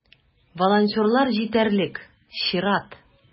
Волонтерлар җитәрлек - чират.